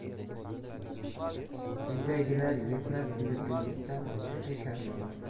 uydagilar yetmas edi tuynukdan tushdi kar balo